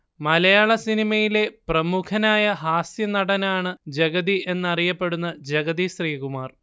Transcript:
മലയാള സിനിമയിലെ പ്രമുഖനായ ഹാസ്യനടനാണ് ജഗതി എന്നറിയപ്പെടുന്ന ജഗതി ശ്രീകുമാർ